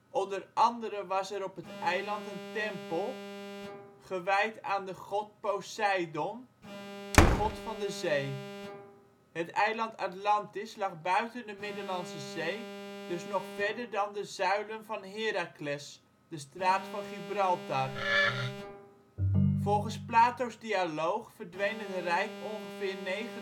Onder andere was er op het eiland een tempel gewijd aan de god Poseidon, de god van de zee. Het eiland Atlantis lag buiten de Middellandse Zee, dus nog verder dan de " Zuilen van Herakles " (de straat van Gibraltar). Volgens Plato 's dialoog verdween het rijk ongeveer 9500